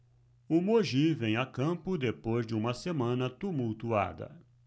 o mogi vem a campo depois de uma semana tumultuada